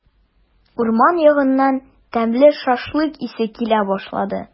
Урман ягыннан тәмле шашлык исе килә башлады.